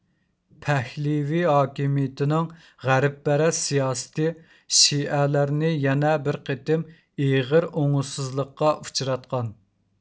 پەھلىۋى ھاكىمىيىتىنىڭ غەربپەرەس سىياسىتى شىئەلەرنى يەنە بىر قېتىم ئېغىر ئوڭۇشسىزلىققا ئۇچراتقان